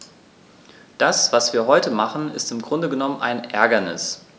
Das, was wir heute machen, ist im Grunde genommen ein Ärgernis.